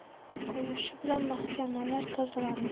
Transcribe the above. go'yo shu bilan mahkamalar tozalandi